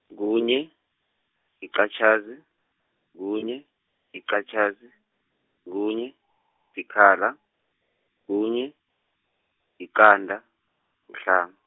kunye, yiqatjhazi, kunye, yiqatjhazi, kunye, sikhala, kunye, yiqanda, kuhlanu.